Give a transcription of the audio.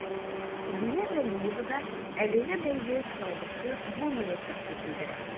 Зилә вәлиева да әлеге бәйге соңгысы булмаячак дип белдерә.